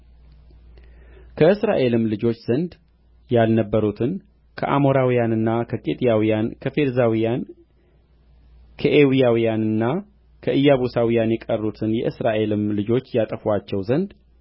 ከእስራኤልም ልጆች ዘንድ ያልነበሩትን ከአሞራውያንና ከኬጢያውያን ከፌርዛውያን ከኤዊያውያንና ከኢያቡሳውያን የቀሩትን የእስራኤልም ልጆች ያጠፉአቸው ዘንድ